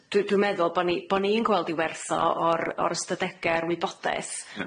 Dw- dw meddwl bo' ni bo' ni'n gweld i werth o o o'r o'r ystadege a'r wybodeth... Ia.